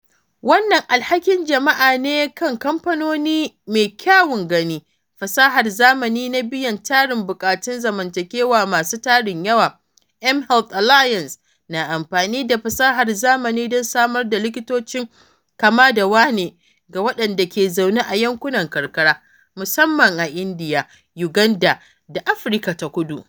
“Wannan alhakin jama'a ne kan kamfanoni ne mai kyawun gani — fasahar zamani na biyan tarin buƙatun zamantakewa masu tarin yawa… mHealth Alliance na amfani da fasahar zamani don samar da likitocin kama-da-wane ga waɗanda ke zaune a yankunan karkara, musamman a Indiya, Uganda da Afirka ta Kudu.”